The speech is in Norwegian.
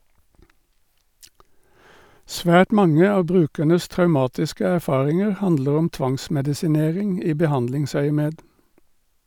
Svært mange av brukernes traumatiske erfaringer handler om tvangsmedisinering i behandlingsøyemed.